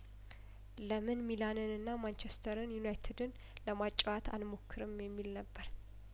ለምን ሚላንንና ማንቸስተርን ዩናይትድን ለማጫወት አንሞክርም የሚል ነበር